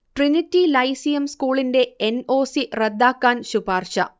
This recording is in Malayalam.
ട്രിനിറ്റി ലൈസിയം സ്കൂളിന്റെ എൻ. ഒ. സി റദ്ദാക്കാൻ ശുപാർശ